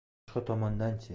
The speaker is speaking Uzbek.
boshqa tomondanchi